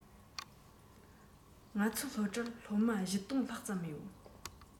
ང ཚོའི སློབ གྲྭར སློབ མ ༤༠༠༠ ལྷག ཙམ ཡོད